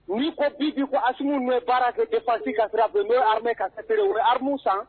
N'i ko bi bi ko Assimi ninnu ye baara kɛ défense ka sira fe n'o ye armée ka u be armes san